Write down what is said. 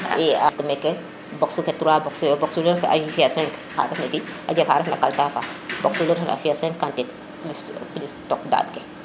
i a meke box ke 3 box yo box nu ref na a fiya 5 xa ref na a ciy fo oxa ref na kalata fa box nu refna a fiya 5 kantin plus tok ɗaɗ